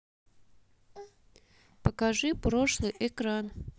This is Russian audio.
покажи прошлый экран